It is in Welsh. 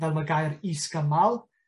fel ma' gair is gymal